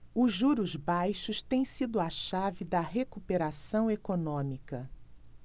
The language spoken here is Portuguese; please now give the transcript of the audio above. os juros baixos têm sido a chave da recuperação econômica